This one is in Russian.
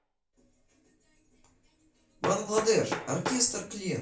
бангладеш оркестр клен